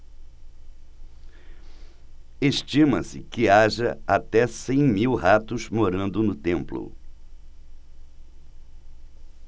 estima-se que haja até cem mil ratos morando no templo